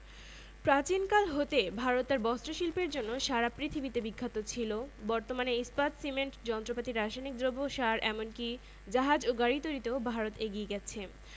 বিশ্বের সর্বোচ্চ পর্বতশৃঙ্গ মাউন্ট এভারেস্ট নেপাল ও চীনের সীমান্ত বরাবর অবস্থিত চীনের জলবায়ু প্রধানত নাতিশীতোষ্ণ তবে দেশটির কোনো কোনো অঞ্চল